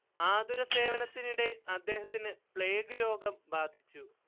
ആതുരസേവനത്തിനിടെ അദ്ദേഹത്തിന് പ്ലേഗ് രോഗം ബാധിച്ചു